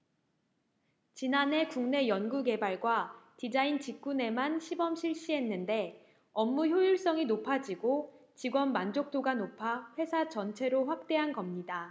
지난해 국내 연구개발과 디자인 직군에만 시범 실시했는데 업무 효율성이 높아지고 직원 만족도가 높아 회사 전체로 확대한 겁니다